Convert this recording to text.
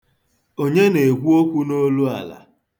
Onye na-ekwu okwu n'oluala?